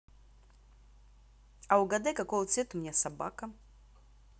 а угадай какого цвета у меня собака